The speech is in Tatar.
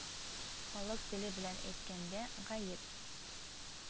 Халык теле белән әйткәндә, гаеп